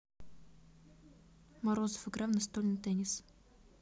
морозов игра в настольный теннис